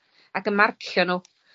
Ac yn marcio nw.